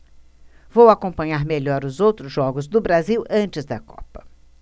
vou acompanhar melhor os outros jogos do brasil antes da copa